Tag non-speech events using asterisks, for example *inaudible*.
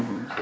*hesitation* *hesitation*